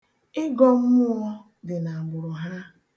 Ịgọ mmuọ dị n'agbụrụ ha.